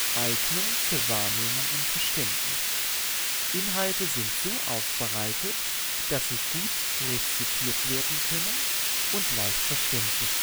Eignung für Wahrnehmung und Verständnis – Inhalte sind so aufbereitet, dass sie gut rezipiert werden können und leicht verständlich